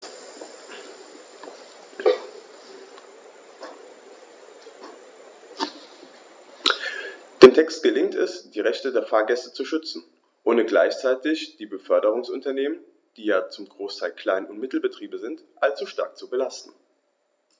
Dem Text gelingt es, die Rechte der Fahrgäste zu schützen, ohne gleichzeitig die Beförderungsunternehmen - die ja zum Großteil Klein- und Mittelbetriebe sind - allzu stark zu belasten.